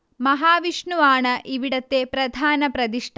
മഹാവിഷ്ണു ആണ് ഇവിടത്തെ പ്രധാന പ്രതിഷ്ഠ